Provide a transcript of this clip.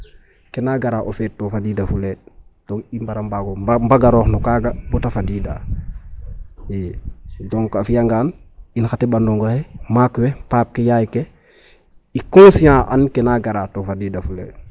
Ke na gara o feet to fadiidafulee to i mbara mbaag o mbagaroox no kaaga ba ta fadiida i donc a fiangaan in xa teɓandong axe ,maak we Pape Yaye ke i conscient to and ke na gara to fadiidafulee.